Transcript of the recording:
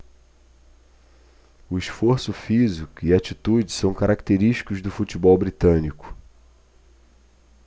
o esforço físico e a atitude são característicos do futebol britânico